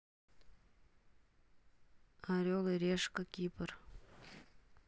орел и решка кипр